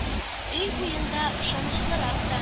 Өй буенда – ышанычлырак та...